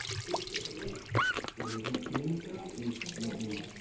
erli uy eshikli uy